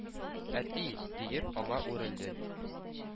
«әти!» —диеп, аңа үрелде.